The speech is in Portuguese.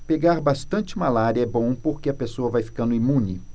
pegar bastante malária é bom porque a pessoa vai ficando imune